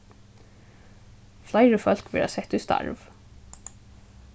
fleiri fólk verða sett í starv